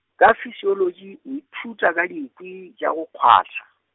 ka fisiologi, o ithuta ka dikwi, tša go kgwatha.